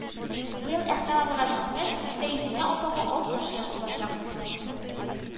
Быел Әхтәм абыйга җитмеш, Фәйзүнә апага алтмыш яшь тулачак